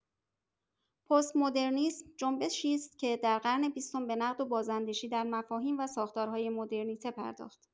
پست‌مدرنیسم جنبشی است که در قرن بیستم به نقد و بازاندیشی در مفاهیم و ساختارهای مدرنیته پرداخت.